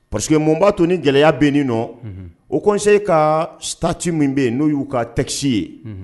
Pa que mun b'a to ni gɛlɛya bɛnen nɔ o kɔnse ka sati min bɛ yen n'o y'u ka tɛgɛkisi ye